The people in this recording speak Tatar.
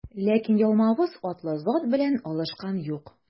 Ләкин Ялмавыз атлы зат белән алышкан юк.